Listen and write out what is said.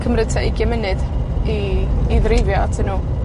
cymryd tua ugian munud i, i ddreifio atyn nw.